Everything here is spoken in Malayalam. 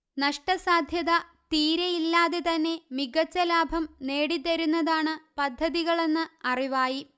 നഷ്ടസാധ്യത തീരെയില്ലാതെ തന്നെ മികച്ച ലാഭം നേടിത്തരുന്നതാണ് പദ്ധതികളെന്ന് അറിവായി